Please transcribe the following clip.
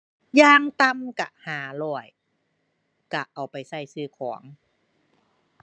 อย่างต่ำก็ห้าร้อย ก็เอาไปก็ซื้อของ